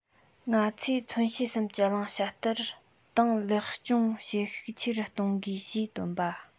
ང ཚོས མཚོན བྱེད གསུམ གྱི བླང བྱ ལྟར ཏང ལེགས སྐྱོང བྱེད ཤུགས ཆེ རུ གཏོང དགོས ཞེས བཏོན པ